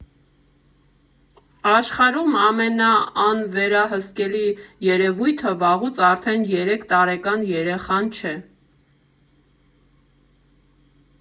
Աշխարհում ամենաանվերահսկելի երևույթը վաղուց արդեն երեք տարեկան երեխան չէ։